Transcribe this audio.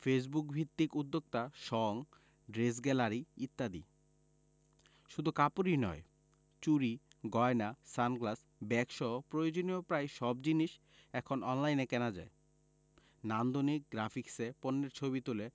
ফেসবুকভিত্তিক উদ্যোক্তা সঙ ড্রেস গ্যালারি ইত্যাদি শুধু কাপড়ই নয় চুড়ি গয়না সানগ্লাস ব্যাগসহ প্রয়োজনীয় প্রায় সব জিনিস এখন অনলাইনে কেনা যায় নান্দনিক গ্রাফিকসে পণ্যের ছবি তুলে